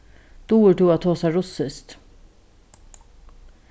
dugir tú at tosa russiskt